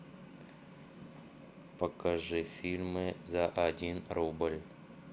покажи фильмы за один рубль